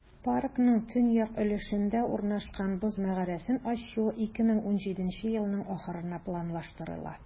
Паркның төньяк өлешендә урнашкан "Боз мәгарәсен" ачу 2017 елның ахырына планлаштырыла.